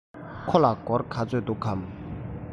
ཁོ ལ སྒོར ག ཚོད འདུག གམ